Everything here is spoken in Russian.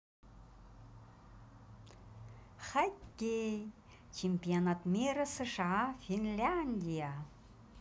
хоккей чемпионат мира сша финляндия